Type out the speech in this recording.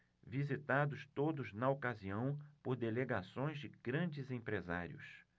visitados todos na ocasião por delegações de grandes empresários